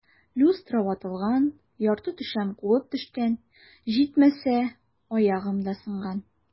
Люстра ватылган, ярты түшәм кубып төшкән, җитмәсә, аягым да сынган.